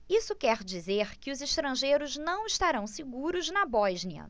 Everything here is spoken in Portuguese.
isso quer dizer que os estrangeiros não estarão seguros na bósnia